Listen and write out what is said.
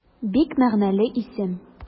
Бик мәгънәле исем.